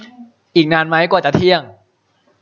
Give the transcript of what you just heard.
อีกนานไหมกว่าจะเที่ยง